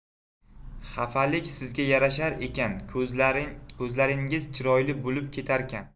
xafalik sizga yarashar ekan ko'zlaringiz chiroyli bo'lib ketarkan